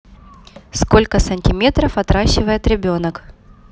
сколько сантиметров отращивает ребенок